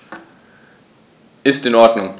Ist in Ordnung.